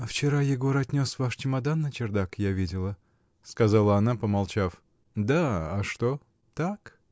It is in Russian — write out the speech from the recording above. — Вчера Егор отнес ваш чемодан на чердак, я видела. — сказала она, помолчав. — Да, а что? — Так.